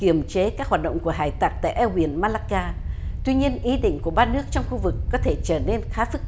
kiềm chế các hoạt động của hải tặc tại eo biển ma la ca tuy nhiên ý định của ba nước trong khu vực có thể trở nên khá phức